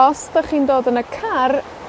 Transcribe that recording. os 'dych chi'n dod yn y car,